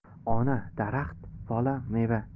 ona daraxt bola meva